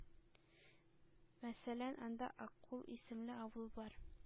Мәсәлән, анда Аккүл исемле авыл бар.